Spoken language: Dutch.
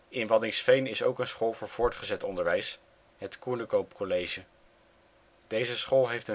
In Waddinxveen is ook een school voor voortgezet onderwijs, het Coenecoop College. Deze school heeft